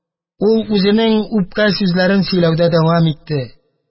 Ул үзенең үпкә сүзләрен сөйләүдә дәвам итте